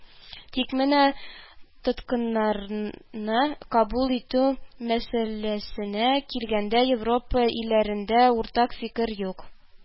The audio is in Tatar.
Тик менә тоткыннарны кабул итү мәсьәләсенә килгәндә, Европа илләрендә уртак фикер юк